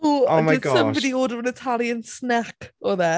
Ww... oh my gosh ...did somebody order an Italian snack oedd e?